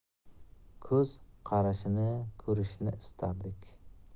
ko'z qarashini ko'rishni istardik